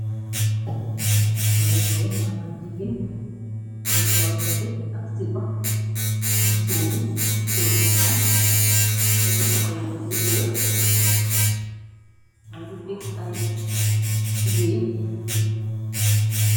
Jamxangay seen maana njigiin mndi sol dagit ak sipa mu sóur bu xong mubi laxay bu buddre mangi fix y ween.